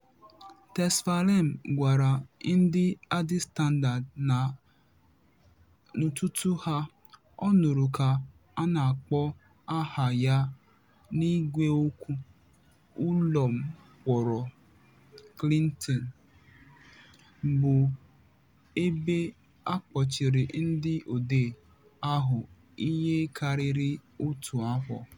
Tesfalem gwara ndị Addis Standard na n'ụtụtụ a, ọ nụrụ ka a na-akpọ aha ya n'igweokwu ụlọmkpọrọ Kilnto, bụ ebe a kpọchiri ndị odee ahụ ihe karịrị otu afọ.